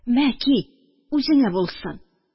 Мә, ки, үзеңә булсын